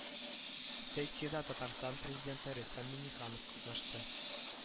Сессиядә татарстан президенты рөстәм миңнеханов катнашты